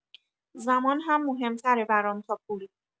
زمان هم مهم تره برام تا پول.